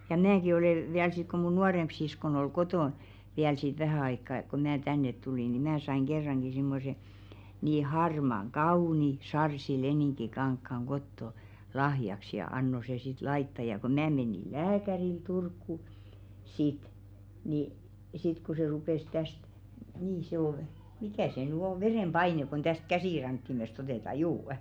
ja minäkin olen vielä sitten kun minun nuorempi siskoni oli kotona vielä sitten vähän aikaa kun minä tänne tulin niin minä sain kerrankin semmoisen niin harmaan kauniin sarssileninkikankaan kotoa lahjaksi ja annoin se sitten laittaa ja kun minä menin lääkärille Turkuun sitten niin sitten kun se rupesi tästä niin se oli mikä se nyt on verenpaine kun tästä käsirankkimesta otetaan juu